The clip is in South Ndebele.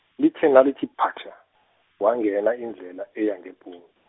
lithe nalithi phatjha, wangena indlela eya ngeBhun-.